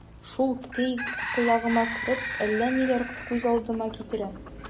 Шул көй колагыма кереп, әллә ниләрне күз алдыма китерә...